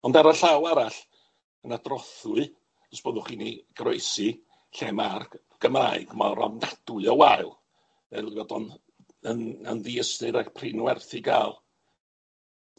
Ond ar y llaw arall, ma' 'ny drothwy, os byddwch chi'n ei goroesi, lle ma'r G- Gymraeg mor ofnadwy o wael, fel 'i bod o'n yn yn ddiystyr ag prin werth 'i ga'l.